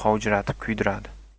hammayoqni qovjiratib kuydiradi